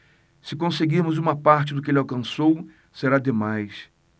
se conseguirmos uma parte do que ele alcançou será demais